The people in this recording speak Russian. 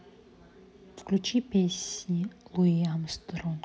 включи песни луи армстронг